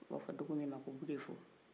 u b'a fɔ dugu min ma ko gudefɔ